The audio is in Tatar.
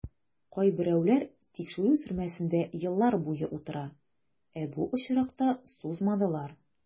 Кайберәүләр тикшерү төрмәсендә еллар буе утыра, ә бу очракта сузмадылар.